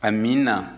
amiina